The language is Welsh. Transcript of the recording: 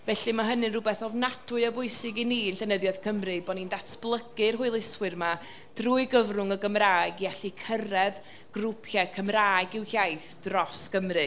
Felly, ma' hynny'n rywbeth ofnadwy a bwysig i ni yn Llyneddiaeth Cymru, bo' ni'n datblygu'r hwyluswyr 'ma drwy gyfrwng y Gymraeg i allu cyrraedd grŵpiau Cymraeg i'w hiaith dros Gymru.